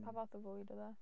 Pa fath o fwyd oedd e?